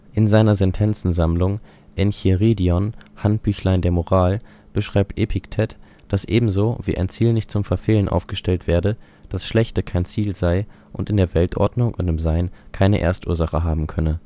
In seiner Sentenzensammlung Encheiridion „ Handbüchlein der Moral “beschreibt Epiktet, dass ebenso, wie ein Ziel nicht zum Verfehlen aufgestellt werde, das Schlechte kein Ziel sein und in der Weltordnung und im Sein keine Erstursache haben könne